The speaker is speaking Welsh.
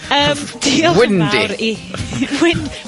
Yym, diolch... Windy. ...yn fawr i <chwerthin wind...